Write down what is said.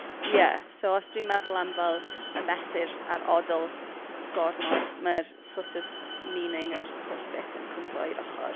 Ie so os dwi'n meddwl am fel y mesur a'r odl gormod, mae'r sort of meaning yr holl beth yn cwympo i'r ochr.